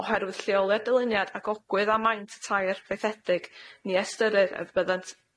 Oherwydd lleoliad dyluniad ag ogwydd a maint y tai arfaethedig ni estyrir y byddent